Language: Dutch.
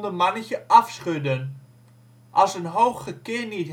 mannetje afschudden: als een hoog gekir niet